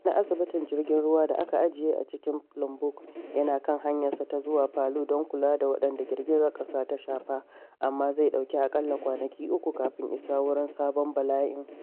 Wani asibitin jirgin ruwa da aka ajiye a cikin Lombok yana kan hanyarsa ta zuwa Palu don kula da waɗanda girgizar ƙasar ta shafa, amma zai ɗauki aƙalla kwanaki uku kafin isa wurin sabon bala’in.